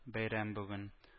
Бәйрәм бүген